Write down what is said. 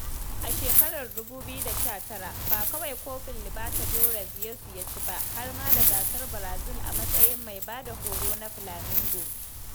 A 2019, ba kawai Kofin Libertadores Yesu ya ci ba, har ma da Gasar Brazil a matsayin mai ba da horo na Flamengo.